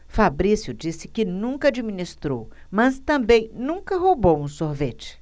fabrício disse que nunca administrou mas também nunca roubou um sorvete